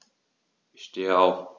Ich stehe auf.